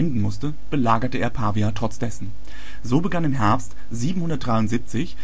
musste, belagerte er Pavia trotz dessen. So begann im Herbst 773